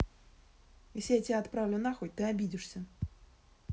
если я тебя отправлю нахуй ты обидишься